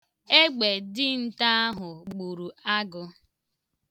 Egbe dinta ahụ gburu agụ.